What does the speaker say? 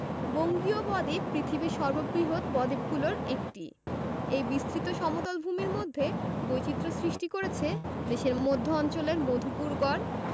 বঙ্গীয় বদ্বীপ পৃথিবীর সর্ববৃহৎ বদ্বীপগুলোর একটি এই বিস্তৃত সমতল ভূমির মধ্যে বৈচিত্র্য সৃষ্টি করেছে দেশের মধ্য অঞ্চলের মধুপুর গড়